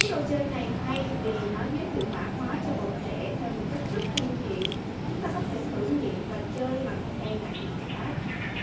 món đồ chơi này hay vì nó giới thiệu mã hóa cho bọn trẻ theo một cách rất thân thiện chúng ta có thể thử nghiệm và chơi mà không e ngại gì cả